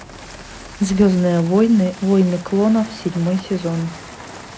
звездные войны войны клонов седьмой сезон